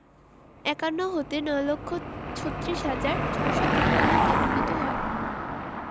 ৫১ হতে ৯ লক্ষ ৩৬ হাজার ৬৫৩ তে উন্নীত হয়